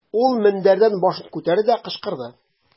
Ул мендәрдән башын күтәрде дә, кычкырды.